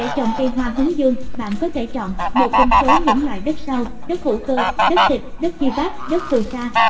để trồng cây hoa hướng dương bạn có thể chọn một trong số những loại đất sau đất hữu cơ đất thịt đất tribat đất phù sa